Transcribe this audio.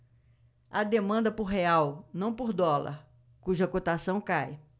há demanda por real não por dólar cuja cotação cai